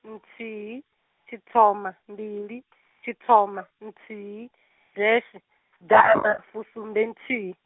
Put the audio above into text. nthihi, tshithoma, mbili, tshithoma, nthihi, deshe, ḓana fusumbenthihi .